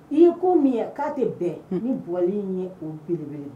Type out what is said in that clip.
I ye ko min ye k'a tɛ bɛn nin duawu in ye o bele